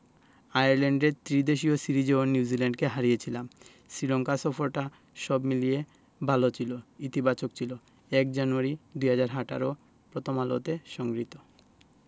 আয়ারল্যান্ডে ত্রিদেশীয় সিরিজেও নিউজিল্যান্ডকে হারিয়েছিলাম শ্রীলঙ্কা সফরটা সব মিলিয়ে ভালো ছিল ইতিবাচক ছিল ০১ জানুয়ারি ২০১৮ প্রথম আলো হতে সংগৃহীত